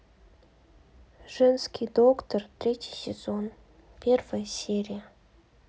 женский доктор третий сезон первая серия